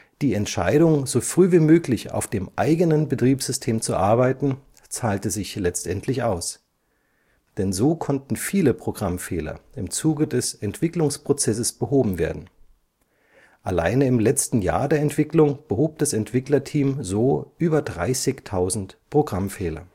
Die Entscheidung, so früh wie möglich auf dem eigenen Betriebssystem zu arbeiten, zahlte sich letztendlich aus, denn so konnten viele Programmfehler im Zuge des Entwicklungsprozesses behoben werden. Alleine im letzten Jahr der Entwicklung behob das Entwicklerteam so über 30.000 Programmfehler